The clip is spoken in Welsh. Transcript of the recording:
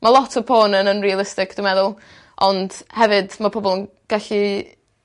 Ma' lot o porn yn unrealistic dwi meddwl ond hefyd ma' pobol 'n gallu